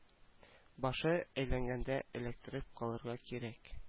Башы әйләнгәндә эләктереп калырга кирәк